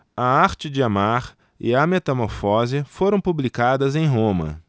a arte de amar e a metamorfose foram publicadas em roma